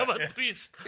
A ma'n drist!